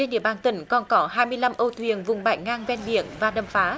trên địa bàn tỉnh còn có hai mươi lăm âu thuyền vùng bãi ngang ven biển và đầm phá